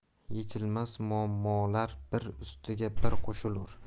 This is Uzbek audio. yechilmas muammolar biri ustiga biri qo'shilur